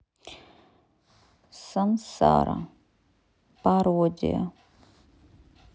сансара пародия